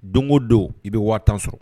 Don o don i bɛ waa tan sɔrɔ